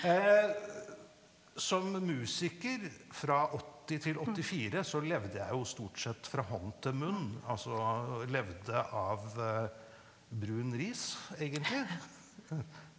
som musiker fra 80 til 84 så levde jeg jo stort sett fra hånd til munn, altså levde av brun ris egentlig.